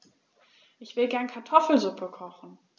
Ich will gerne Kartoffelsuppe kochen.